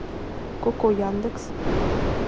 коко яндекс